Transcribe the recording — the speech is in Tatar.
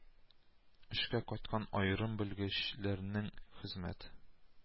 Эшкә кайткан аерым белгечләрнең хезмәт